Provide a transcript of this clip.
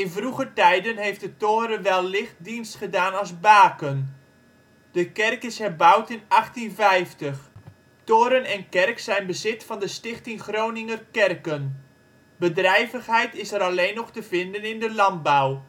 vroeger tijden heeft de toren wellicht dienst gedaan als baken. De kerk is herbouwd in 1850. Toren en kerk zijn bezit van de Stichting Groninger Kerken. Bedrijvigheid is er alleen nog te vinden in de landbouw